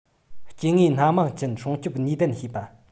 སྐྱེ དངོས སྣ མང ཅན སྲུང སྐྱོང ནུས ལྡན བྱེད པ